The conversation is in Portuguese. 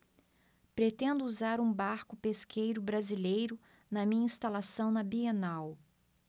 pretendo usar um barco pesqueiro brasileiro na minha instalação na bienal